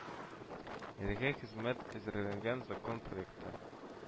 Әлеге хезмәт әзерләгән закон проекты